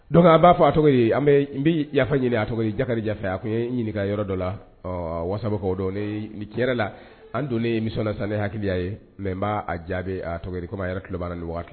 Donc a b'a fɔ a tɔgɔ di? An bɛ n bɛ yafa ɲini, a tɔgɔ di? Jakarija fɛ, a tun ye n ɲininka yɔrɔ dɔ la whatsapp kan o don ne ,tiɲɛ yɛrɛ la ,an donnen émission na sisan ne hakili y'a ye mais n b'a jaabi, a tɔgɔ di? comme a yɛrɛ tulo b'a la ni waat